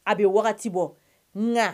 A bɛ wagati bɔ na